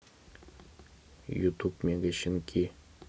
ютюб мегащенки